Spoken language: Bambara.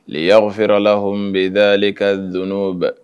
Tile'aw fɛrɛ la hm bɛ da ale ka don bɛɛ